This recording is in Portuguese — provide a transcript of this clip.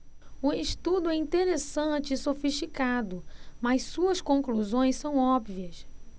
o estudo é interessante e sofisticado mas suas conclusões são óbvias